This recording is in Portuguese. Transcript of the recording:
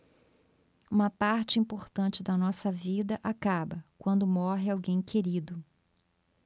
uma parte importante da nossa vida acaba quando morre alguém querido